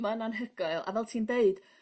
Mae'n anhygoel a fel ti'n deud